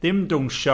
Dim dawnsio.